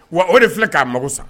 Wa o de filɛ k'a mago san